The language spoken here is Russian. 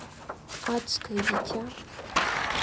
адское дитя